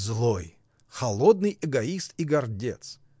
— Злой, холодный эгоист и гордец!